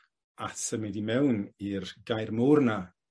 a symud i mewn i'r gair mowr 'na